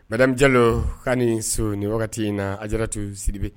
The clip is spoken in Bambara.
Mɛdajalo ka so ni wagati in na adratu sibi